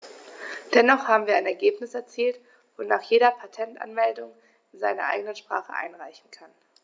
Dennoch haben wir ein Ergebnis erzielt, wonach jeder Patentanmeldungen in seiner eigenen Sprache einreichen kann.